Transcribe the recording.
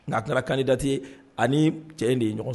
Nka a taara kani date ani cɛ de ye ɲɔgɔn